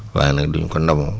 waaye nag duñ ko ndamoo